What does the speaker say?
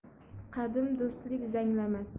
qadim do'stlik zanglamas